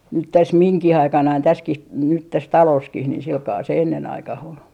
nyt tässä minunkin aikanani tässäkin nyt tässä talossakin niin sillä kalella se ennen aikaan oli